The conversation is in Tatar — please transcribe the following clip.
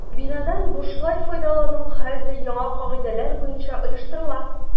Бинадан бушлай файдалану хәзер яңа кагыйдәләр буенча оештырыла.